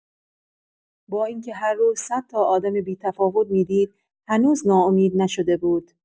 با اینکه هر روز صد تا آدم بی‌تفاوت می‌دید، هنوز ناامید نشده بود.